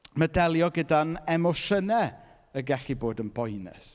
Ma' delio gyda'n emosiynau yn gallu bod yn boenus.